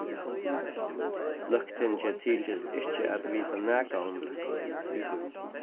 løgtingið tykist ikki at vita nakað um tað